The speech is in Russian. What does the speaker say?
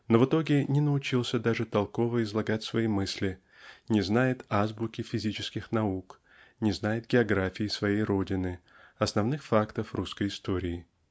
-- но в итоге не научился даже толково излагать свои мысли не знает азбуки физических наук не знает географии своей родины основных фактов русской истории.